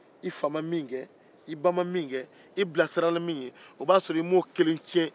i fa ma min kɛ i ba ma min kɛ i bilasirala nin min ye o b'a sɔrɔ i m'o kelen tiɲɛ